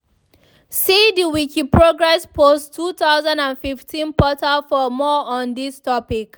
See the Wikiprogress post-2015 portal for more on this topic.